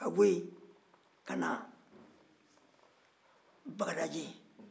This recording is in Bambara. ka bɔ yen ka na bagadaji